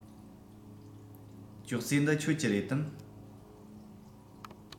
ཅོག ཙེ འདི ཁྱོད ཀྱི རེད དམ